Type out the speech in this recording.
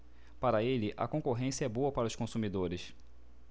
para ele a concorrência é boa para os consumidores